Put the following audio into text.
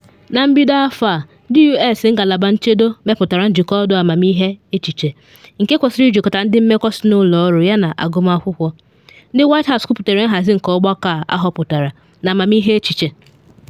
Na mbido afọ a ndị U.S. Ngalaba Nchedo, mepụtara Njikọ Ọdụ Amamịghe, Echiche, nke kwesịrị ijikọta ndị mmekọ si na ụlọ ọrụ yana agụmakwụkwọ, ndị White House kwuputere nhazi nke Ọgbakọ A họpụtara na Amamịhe Echiche.